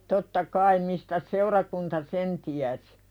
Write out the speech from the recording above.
totta kai mistäs seurakunta sen tiesi